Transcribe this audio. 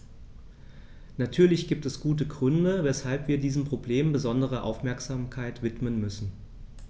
Natürlich gibt es gute Gründe, weshalb wir diesem Problem besondere Aufmerksamkeit widmen müssen.